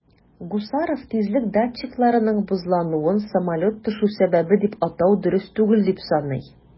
Гусаров тизлек датчикларының бозлануын самолет төшү сәбәбе дип атау дөрес түгел дип саный.